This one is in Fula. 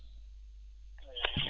eeyi